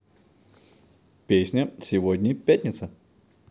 песня сегодня пятница